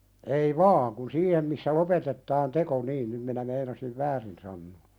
ei vaan kun siihen missä lopetetaan teko niin nyt minä meinasin väärin sanoa